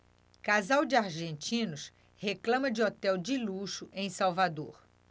casal de argentinos reclama de hotel de luxo em salvador